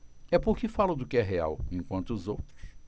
é porque falo do que é real enquanto os outros